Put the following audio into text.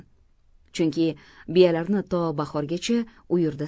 chunki biyalarni to bahorgacha uyurda